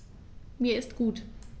Mir ist gut.